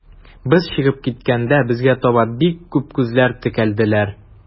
Без чыгып киткәндә, безгә таба бик күп күзләр текәлделәр.